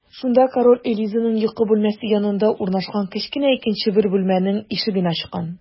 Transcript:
Шунда король Элизаның йокы бүлмәсе янында урнашкан кечкенә икенче бер бүлмәнең ишеген ачкан.